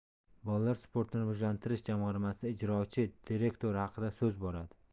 bolalar sportini rivojlantirish jamg'armasi ijrochi direktori haqida so'z boradi